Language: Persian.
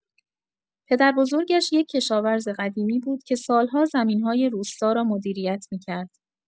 پدربزرگش یک کشاورز قدیمی بود که سال‌ها زمین‌های روستا را مدیریت می‌کرد.